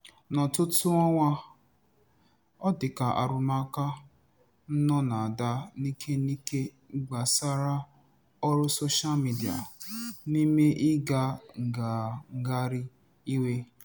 N'ọtụtụ ọnwa ọ dịka arụmụka nọ na-ada n'ike n'ike gbasara ọrụ sosha midia n'ime ịga ngagharị iwe.